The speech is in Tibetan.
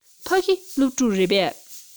ཕ གི སློབ ཕྲུག རེད པས